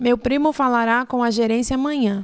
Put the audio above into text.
meu primo falará com a gerência amanhã